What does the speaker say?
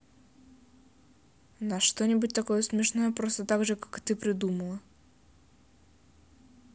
на что нибудь такое смешное просто так же как ты придумала